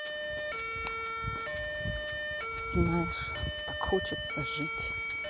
знаешь так хочется жить